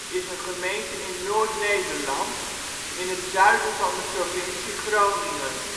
is een gemeente in Noord-Nederland, in het zuiden van de provincie Groningen